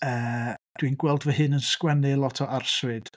Yy dwi'n gweld fy hun yn sgwennu lot o arswyd.